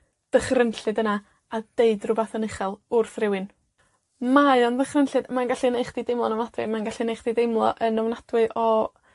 dychrynllyd yna, a deud rhwbath yn uchal wrth rywun. Mae o'n ddychrynllyd, mae'n gallu neu' chdi deimlo'n of- ie, mae'n gallu neu' chdi deimlo yn ofnadwy o